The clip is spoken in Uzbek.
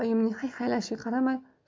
oyimning hayhaylashiga qaramay